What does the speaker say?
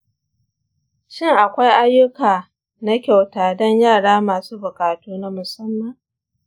shin akwai ayyuka na kyauta don yara masu buƙatu na musamman?